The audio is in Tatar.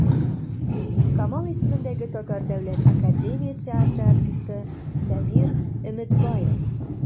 Камал исемендәге Татар дәүләт академия театры артисты Сабир Өметбаев.